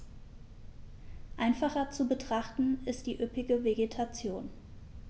Einfacher zu betrachten ist die üppige Vegetation.